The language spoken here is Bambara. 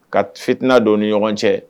Ka fitina don ni ɲɔgɔn cɛ